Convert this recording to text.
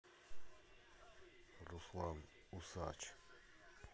руслан усач